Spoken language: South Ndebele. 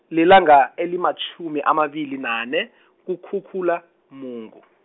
lilanga, elimatjhumi amabili nane , kuKhukhulamungu.